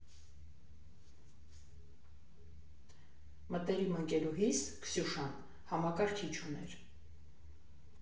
Մտերիմ ընկերուհիս՝ Քսյուշան, համակարգիչ ուներ.